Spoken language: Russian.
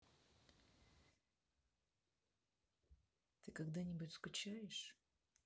ты когда нибудь скучаешь